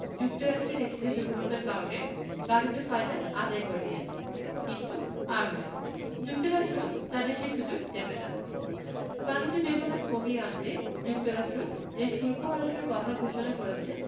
যুক্তরাষ্ট্রের নেতৃত্বের দুর্বলতার কারণে বাণিজ্য ফায়দা আদায় করে নিয়েছে কিন্তু আর নয় যুক্তরাষ্ট্র তাদের সে সুযোগ দেবে না বাণিজ্য ব্যবধান কমিয়ে আনতে যুক্তরাষ্ট্র যে শুল্ক আরোপের কথা ঘোষণা করেছে